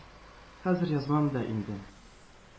Хәзер язмам да инде.